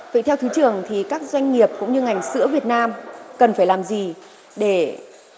vậy theo thứ trưởng thì các doanh nghiệp cũng như ngành sữa việt nam cần phải làm gì để